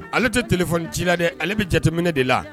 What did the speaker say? Ale te téléphone ci la dɛ. Ale bi jateminɛ de la.